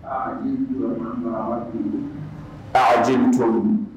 Ji